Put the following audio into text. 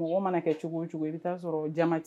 Mɔgɔ mana kɛ cogo cogo i bɛ' sɔrɔ jama tɛ